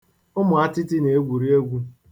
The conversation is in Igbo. Ụmụ atịtị na-egwuri egwu.